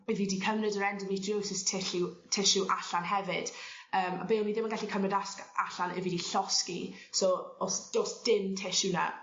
ry' fi 'di cymryd yr endometriosis tilliw tissue allan hefyd yym a be' o'n i ddim yn gallu cymryd asg- yy allan 'yf fi 'di llosgi so o's do's dim tissue* 'na.